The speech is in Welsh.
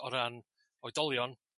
o ran oedolion